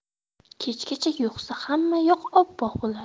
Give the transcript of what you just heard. kechgacha yog'sa hammayoq oppoq bo'ladi